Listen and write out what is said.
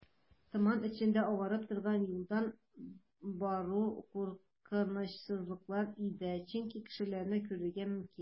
Томан эчендә агарып торган юлдан бару куркынычсызрак иде, чөнки кешеләрне күрергә мөмкин.